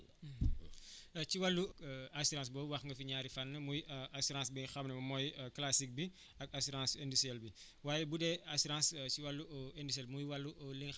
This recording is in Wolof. ci wàllu assurance boobu wax nga fi ñaari fànn muy assurance bi nga xam ne mooy classique bi ak assurance indicelle bi waaye bu dee assurance si wàllu indicelle muy wàllu li nga